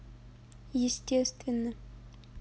естественно